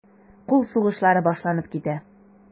Кул сугышлары башланып китә.